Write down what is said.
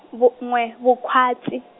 vu n'we Vukhwatsi.